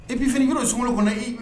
Et puis fana, yarɔ sunkalo kɔnɔ i